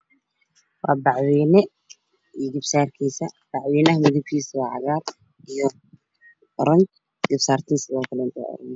Waa bac wayne bac waynaha midabkiisa waa cagaar iyo oranji garbo saartuna sidoo kale waa oranji